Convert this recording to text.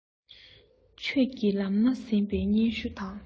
ཆོས ཀྱི ལམ སྣ ཟིན པའི སྙན ཞུ དང